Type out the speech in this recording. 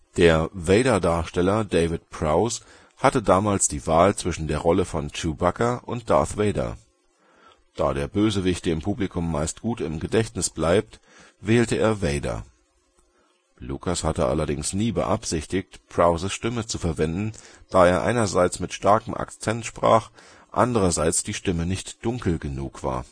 Der Darsteller David Prowse hatte damals die Wahl zwischen der Rolle von Chewbacca und Darth Vader. Da der Bösewicht dem Publikum meist gut im Gedächtnis bleibt, wählte er Vader. Lucas hatte allerdings nie beabsichtigt, Prowses Stimme zu verwenden, da er einerseits mit starkem Akzent sprach, andererseits die Stimme nicht „ dunkel “genug war